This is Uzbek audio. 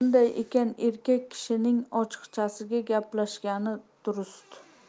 shunday ekan erkak kishining ochiqchasiga gaplashgani durust